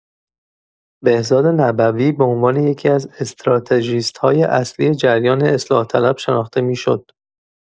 بهزاد نبوی به عنوان یکی‌از استراتژیست‌های اصلی جریان اصلاح‌طلب شناخته می‌شد.